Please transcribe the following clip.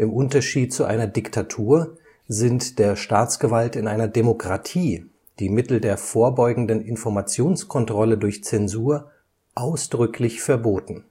Unterschied zu einer Diktatur sind der Staatsgewalt in einer Demokratie die Mittel der vorbeugenden Informationskontrolle durch Zensur ausdrücklich verboten